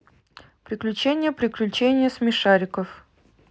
приключения приключения смешариков